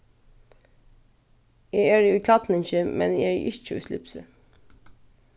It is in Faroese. eg eri í klædningi men eg eri ikki í slipsi